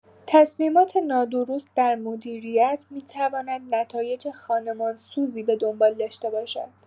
تصمیمات نادرست در مدیریت می‌تواند نتایج خانمانسوزی به دنبال داشته باشد.